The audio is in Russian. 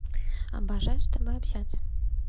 обожаю с тобой общаться